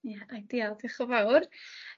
Ia diol- dioch y' fawr.